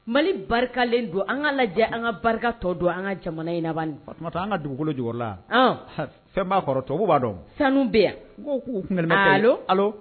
Mali barikalen don an ka lajɛ an ka barika tɔ don an ka jamana in an ka dugukolo jɔyɔrɔ la fɛn b'a to b'a dɔn sanu bɛ yan k'u